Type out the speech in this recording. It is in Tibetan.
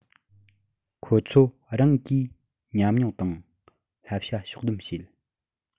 ཁོ ཚོ རང གིས ཉམས མྱོང དང བསླབ བྱ ཕྱོགས བསྡོམས བྱས